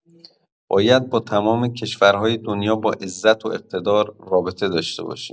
باید با تمام کشورهای دنیا با عزت و اقتدار رابطه داشته باشیم.